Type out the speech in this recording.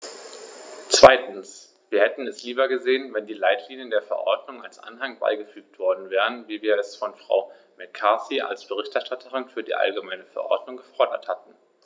Zweitens: Wir hätten es lieber gesehen, wenn die Leitlinien der Verordnung als Anhang beigefügt worden wären, wie wir es von Frau McCarthy als Berichterstatterin für die allgemeine Verordnung gefordert hatten.